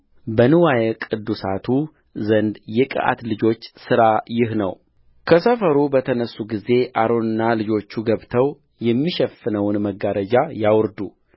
በንዋየ ቅድሳቱ ዘንድ የቀዓት ልጆች ሥራ ይህ ነውከሰፈሩ በተነሡ ጊዜ አሮንና ልጆቹ ገብተው የሚሸፍነውን መጋረጃ ያውርዱ